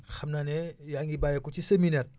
xam naa ne yaa ngi bàyyeekoo ci séminaire